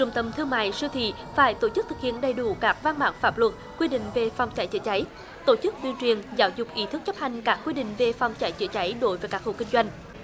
trung tâm thương mại siêu thị phải tổ chức thực hiện đầy đủ các văn bản pháp luật quy định về phòng cháy chữa cháy tổ chức tuyên truyền giáo dục ý thức chấp hành các quy định về phòng cháy chữa cháy đối với các hộ kinh doanh